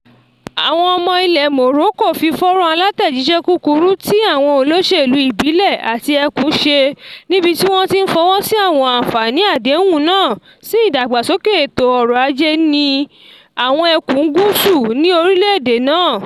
Àwọn ọmọ ilẹ̀ Morocco fi fọ́nràn alátẹ̀jíṣẹ́ kúkúrú tí àwọn olóṣèlú ìbílẹ̀ àti ẹkùn ṣe níbi tí wọ́n ti ń fọwọ́ sí àwọn àǹfààní àdéhùn náà sí ìdàgbàsókè ètò ọrọ̀-ajé ní "àwọn ẹkùn gúúsù" ní orílẹ̀-èdè náà.